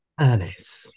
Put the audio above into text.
Ynys.